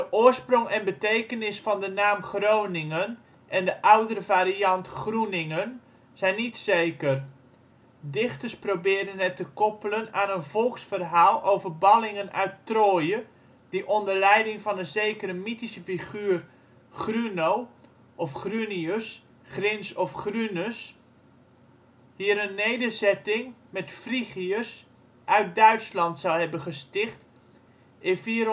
oorsprong en betekenis van de naam Groningen en de oudere variant ' Groeningen ' zijn niet zeker. Dichters probeerden het te koppelen aan een volksverhaal over ballingen uit Troje die onder leiding van een zekere mythische figuur Gruno (of Grunius, Gryns of Grunus) hier een nederzetting met Frygiërs uit Duitsland zou hebben gesticht in 453 v.Chr.